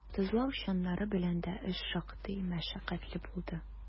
Тозлау чаннары белән дә эш шактый мәшәкатьле булды.